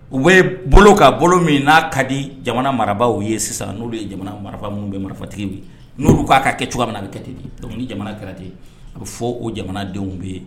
U bɛ bolo ka bolo min n'a ka di jamana marabaaw ye sisan n'olu ye jamana mara minnu bɛ marifatigi n'olu k'a ka kɛ cogoya min na a bɛ kɛ ten don jamana kɛra ten a bɛ fɔ o jamanadenw bɛ ye